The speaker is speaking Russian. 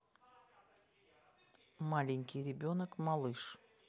маленький ребенок малыш